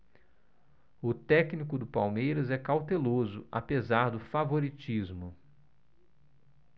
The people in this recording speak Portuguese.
o técnico do palmeiras é cauteloso apesar do favoritismo